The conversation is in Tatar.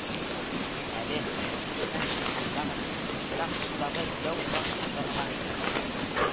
Әле инештән чыкканда гына мифтах судагы дәү ташны таныган иде